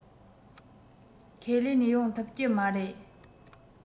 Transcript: ཁས ལེན ཡོང ཐུབ ཀྱི མ རེད